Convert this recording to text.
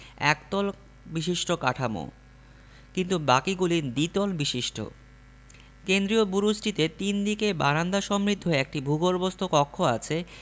একতল বিশিষ্ট কাঠামো কিন্তু বাকিগুলি দ্বিতল বিশিষ্ট কেন্দ্রীয় বুরুজটিতে তিন দিকে বারান্দা সমৃদ্ধ একটি ভূগর্ভস্থ কক্ষ আছে